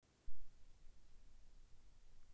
няня два